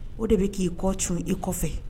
O de bɛ k'i kɔ tun i kɔfɛ